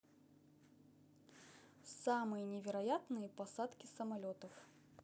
самые невероятные посадки самолетов